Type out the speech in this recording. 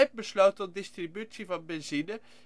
besloot tot distributie van benzine